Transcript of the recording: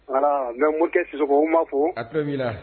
Voila n bɛ Morikɛ Sisoko n b'a fo. A tulo b'i la